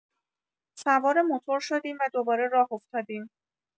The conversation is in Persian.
سوار موتور شدیم و دوباره راه افتادیم.